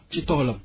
ci toolam